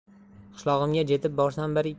qishlog'imga jetib borsam bir